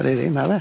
Ydi 'di ma' fe.